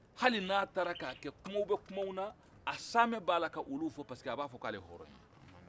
hali n'a taara k'a kɛ kumaw bɛ kumaw na a saamɛ b'a la ka olu fɔ paseke a b'a fɔ k'ale ye hɔrɔn ye